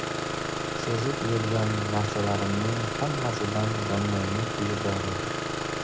sezib yurgan narsalarimning hammasidan doniyorning kuyi bor edi